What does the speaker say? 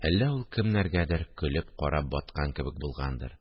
Әллә ул кемнәргәдер көлеп карап баткан кебек булгандыр